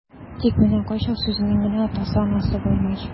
Тик менә кайчак сүзенең генә атасы-анасы булмый.